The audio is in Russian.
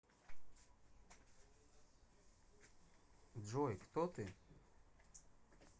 джой кто ты